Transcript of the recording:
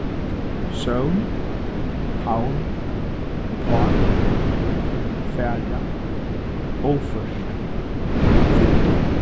søvn havn uppá fara óført fimtu